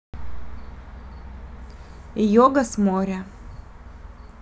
йога с моря